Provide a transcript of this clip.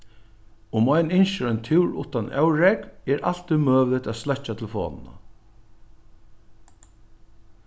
um ein ynskir ein túr uttan órógv er altíð møguligt at sløkkja telefonina